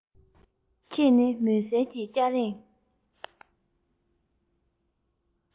ཁྱེད ནི མུན སེལ གྱི སྐྱ རེངས